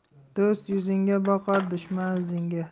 do'st yuzingga boqar dushman izingga